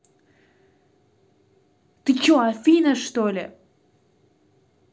ты че афина что ли